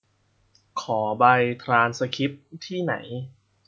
ขอใบทรานสคริปต์ที่ไหน